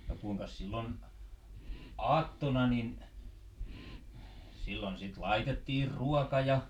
no kuinkas silloin aattona niin silloin sitten laitettiin ruokaa ja